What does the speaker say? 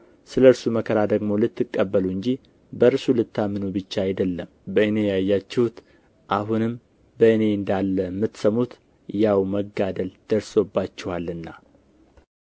ስለ እርሱ መከራ ደግሞ ልትቀበሉ እንጂ በእርሱ ልታምኑ ብቻ አይደለም በእኔ ያያችሁት አሁንም በእኔ እንዳለ የምትሰሙት ያው መጋደል ደርሶባችኋልና